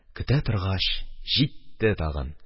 Көтә торгач, җитте тагын